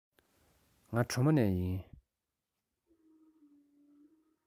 ང གྲོ མོ ནས ཡིན